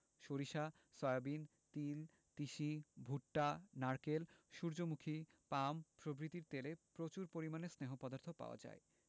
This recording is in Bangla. সরিষা সয়াবিন তিল তিসি ভুট্টা নারকেল সুর্যমুখী পাম প্রভৃতির তেলে প্রচুর পরিমাণে স্নেহ পদার্থ পাওয়া যায়